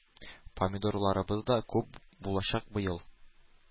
Помидорларыбыз да күп булачак быел.